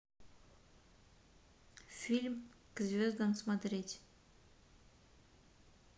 фильм к звездам смотреть